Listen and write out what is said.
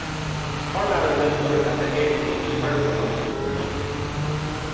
formaðurin heldur at tað er ikki tørvur á nýggjum húsum